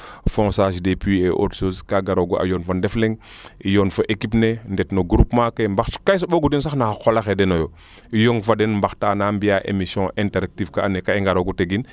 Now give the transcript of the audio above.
foncage des pluits et autre chose kaa garoogu a yoon fo Ndef Leng i yoon fo equipe ne ndet no groupement ke kaa i soɓogu den sax naxa qolaxe denoyo yong fa den mbaxtaana mbiya emission inter active kaa ando naye kaa i ngaroogu tegin